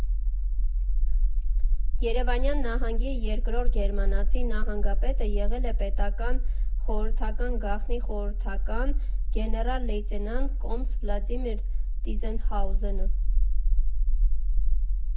Երևանյան նահանգի երկրորդ գերմանացի նահանգապետը եղել է պետական խորհրդական, գաղտնի խորհրդական, գեներալ֊լեյտենանտ, կոմս Վլադիմիր Տիզենհաուզենը։